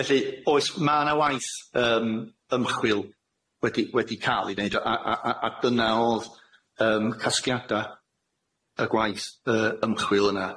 Felly oes ma' na waith yym ymchwil wedi wedi ca'l i neud o a a a a dyna o'dd yym casgiada y gwaith yy ymchwil yna.